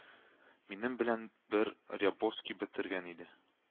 Минем белән бер Рябовский бетергән иде